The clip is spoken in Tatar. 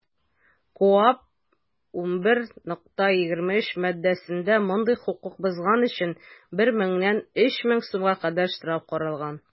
КоАП 11.23 маддәсендә мондый хокук бозган өчен 1 меңнән 3 мең сумга кадәр штраф каралган.